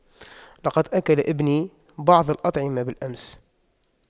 لقد أكل ابني بعض الأطعمة بالأمس